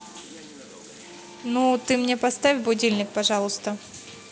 ну ты мне поставь будильник пожалуйста